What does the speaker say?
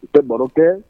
U tɛ baro kɛ